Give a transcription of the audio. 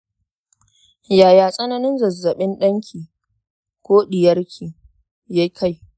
yaya tsananin zazzaɓin ɗanki/ɗiyarki ya kai